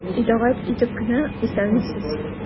Итагать итеп кенә:— Исәнмесез!